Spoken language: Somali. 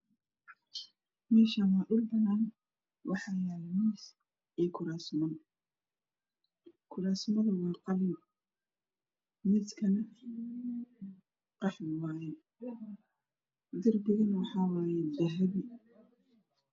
Halkan waa hool wax yalo mis iyo kuraas kalarkoda waa qahwi iyo baluug